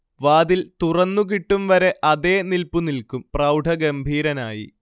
വാതിൽ തുറന്നു കിട്ടും വരെ അതേ നില്പു നിൽക്കും, പ്രൗഢഗംഭീരനായി